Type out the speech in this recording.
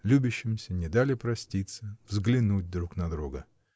Любящимся не дали проститься, взглянуть друг на друга.